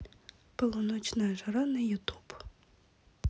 полуночная жара на ютуб